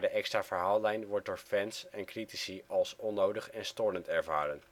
extra verhaallijn werd door fans en critici als onnodig en storend ervaren